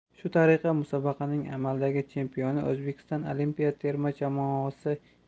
shu tariqa musobaqaning amaldagi chempioni o'zbekiston olimpiya